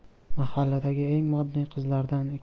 mahalladagi eng modniy qizlardan ekanini